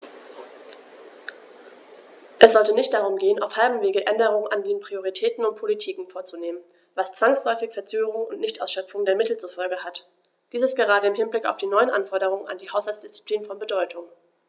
Es sollte nicht darum gehen, auf halbem Wege Änderungen an den Prioritäten und Politiken vorzunehmen, was zwangsläufig Verzögerungen und Nichtausschöpfung der Mittel zur Folge hat. Dies ist gerade im Hinblick auf die neuen Anforderungen an die Haushaltsdisziplin von Bedeutung.